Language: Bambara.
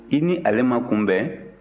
i ni ale ma kunbɛn